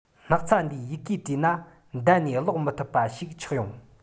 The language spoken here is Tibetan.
སྣག ཚ འདིས ཡི གེ བྲིས ན འདལ ནས ཀློག མི ཐུབ པ ཞིག ཆགས ཡོང